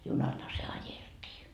junallahan se ajeltiin